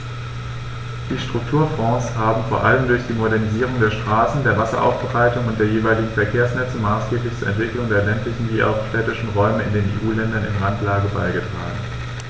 Die Strukturfonds haben vor allem durch die Modernisierung der Straßen, der Wasseraufbereitung und der jeweiligen Verkehrsnetze maßgeblich zur Entwicklung der ländlichen wie auch städtischen Räume in den EU-Ländern in Randlage beigetragen.